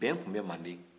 bɛn tun bɛ manden